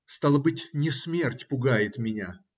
Стало быть, не смерть пугает меня.